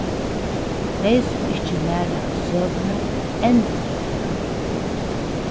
tey sum ikki læra av søguni endurtaka hana